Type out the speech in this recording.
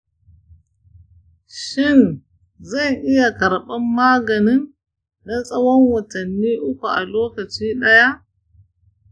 shin zan iya karɓar maganin na tsawon watanni uku a lokaci daya?